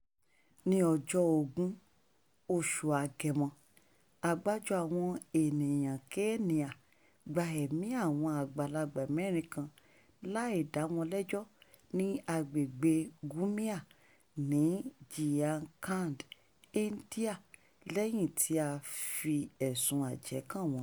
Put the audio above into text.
Ní ọjọ́ 20 oṣù Agẹmọ, àgbájọ àwọn ènìyànkéènìà gba ẹ̀mí àwọn àgbàlagbà mẹ́rin kan láì dá wọn lẹ́jọ́ ní agbègbèe Gumla ní Jharkhand, India lẹ́yìn tí a fi ẹ̀sùn-un àjẹ́ kàn wọ́n.